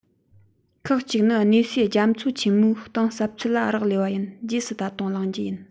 ཁག ཅིག ནི གནས སའི རྒྱ མཚོ ཆེན མོའི གཏིང ཟབ ཚད ལ རག ལས པ ཡིན རྗེས སུ ད དུང གླེང རྒྱུ ཡིན